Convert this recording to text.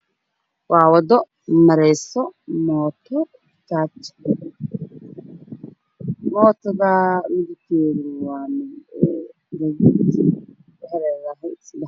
Waa wado mareyso mooto motada mideb keedu waa madow